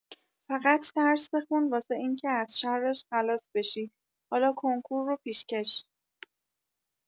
فقط درس بخون واسه اینکه از شرش خلاص بشی، حالا کنکور رو پیشکش.